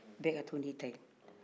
bɛɛ ka to ni taye